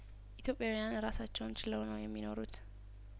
ኢትዮጵያዊያን እራሳቸውን ችለው ነው የሚኖሩት